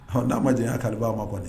H n'a ma jan ta b' aw ma